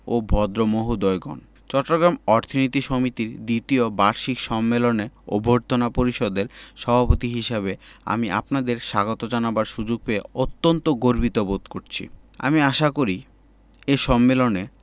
ও ভদ্রমহোদয়গণ চট্টগ্রাম অর্থনীতি সমিতির দ্বিতীয় বার্ষিক সম্মেলনের অভ্যর্থনা পরিষদের সভাপতি হিসেবে আমি আপনাদের স্বাগত জানাবার সুযোগ পেয়ে অত্যন্ত গর্বিত বোধ করছি আমি আশা করি এ সম্মেলনে